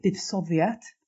buddsoddiad